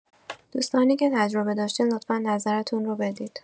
دوستانی که تجربه داشتین لطفا نظرتون رو بدید.